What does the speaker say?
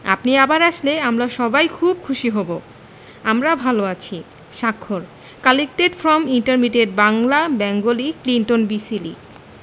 আপনি আবার আসলে আমরা সবাই খুব খুশি হব আমরা ভালো আছি স্বাক্ষর collected from intermediate Bangla Bengali Clinton B Seely